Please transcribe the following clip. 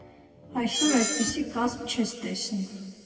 Այսօր այդպիսի կազմ չես տեսնի։